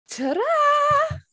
Tara!